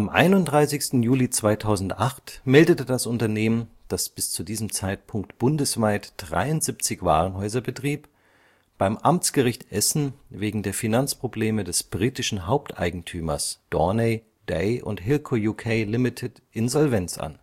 31. Juli 2008 meldete das Unternehmen, das bis zu diesem Zeitpunkt bundesweit 73 Warenhäuser betrieb, beim Amtsgericht Essen wegen der Finanzprobleme des britischen Haupteigentümers Dawnay, Day und Hilco UK Ltd. Insolvenz an